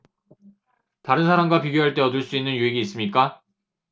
다른 사람과 비교할 때 얻을 수 있는 유익이 있습니까